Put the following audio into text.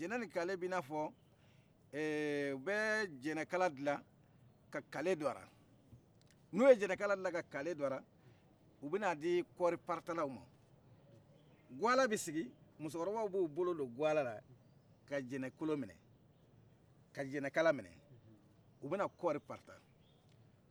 jɛnɛ ni kale bɛna fɔ u bɛ jɛnɛ kala dilan ka kale do ala n'u ye jɛnɛ kala dilan ka kale do ala u bɛna di kɔri paratalaw ma guala bɛ sigi musokɔrɔbaw b'u bolo do gualala ka jɛnɛ kolo minɛ ka jɛnɛ kala minɛ u bɛna kɔri parata